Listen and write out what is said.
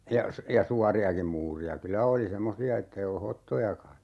ja - ja suoriakin muureja kyllä oli semmoisia että ei ollut hottojakaan